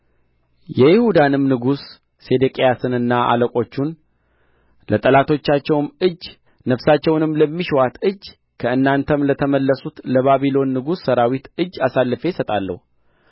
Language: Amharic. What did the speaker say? የይሁዳንም ንጉሥ ሴዴቅያስንና አለቆቹን ለጠላቶቻቸው እጅ ነፍሳቸውንም ለሚሹአት እጅ ከእናንተም ለተመለሱት ለባቢሎን ንጉሥ ሠራዊት እጅ አሳልፌ እሰጣለሁ